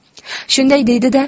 shunday deydi da